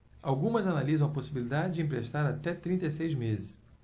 algumas analisam a possibilidade de emprestar até trinta e seis meses